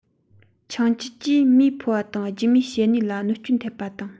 ཆང བཅུད ཀྱིས མིའི ཕོ བ དང རྒྱུ མའི བྱེད ནུས ལ གནོད སྐྱོན ཐེབས པ དང